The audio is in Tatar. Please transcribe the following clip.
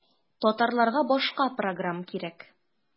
Татарларга башка программ кирәк.